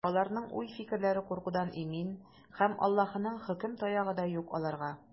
Аларның уй-фикерләре куркудан имин, һәм Аллаһының хөкем таягы да юк аларга.